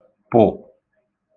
-pụ̀